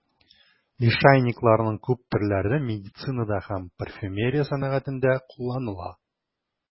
Лишайникларның күп төрләре медицинада һәм парфюмерия сәнәгатендә кулланыла.